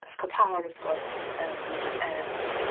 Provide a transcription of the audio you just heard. A'r copaon wrth gwrs yn yym...